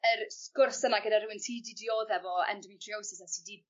yr sgwrs yna gyda rywun sy 'di dioddef o endometriosis a sy 'di